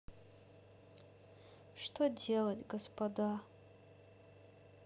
что делать господа